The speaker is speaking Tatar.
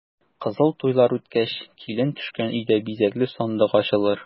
Кызыл туйлар үткәч, килен төшкән өйдә бизәкле сандык ачылыр.